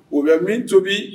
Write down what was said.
U bɛ min tobi